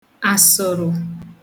àsụ̀rụ̀